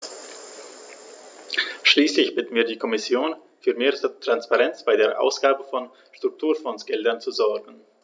Schließlich bitten wir die Kommission, für mehr Transparenz bei der Ausgabe von Strukturfondsgeldern zu sorgen.